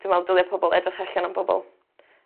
dwi me'wl dylie pobol edrych allan an bobol.